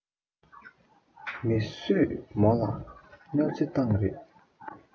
མི སུས མོ ལ གནོས ཚེ བཏང རེད